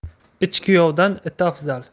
lchkuyovdan it afzal